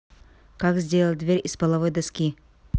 как сделать дверь из половой доски